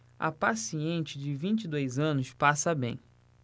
a paciente de vinte e dois anos passa bem